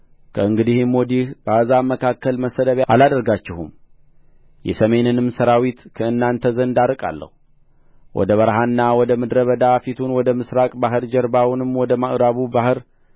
ከእንግዲህም ወዲያ በአሕዛብ መካከል መሰደቢያ አላደርጋችሁም የሰሜንንም ሠራዊት ከእናንተ ዘንድ አርቃለሁ ወደ በረሃና ወደ ምድረበዳ ፊቱን ወደ ምሥራቁ ባሕር ጀርባውንም ወደ ምዕራቡ ባሕር